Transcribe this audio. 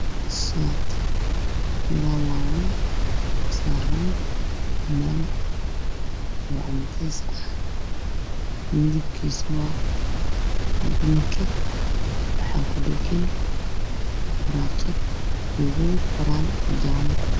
Meeshan waxaa yaalla shati la laaban